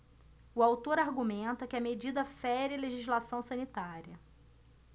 o autor argumenta que a medida fere a legislação sanitária